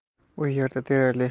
u yerda deyarli